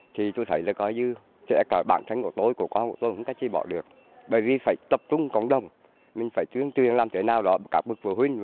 thi tôi thấy là coi như kể cả bản thân của tôi của con của tôi cũng có chi bỏ được bởi vì phải tập trung cộng đồng mình phải tuyên truyền làm thế nào đó các bậc phụ huynh